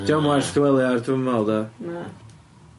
'Di o'm werth ar dwi'm me'wl de. Na.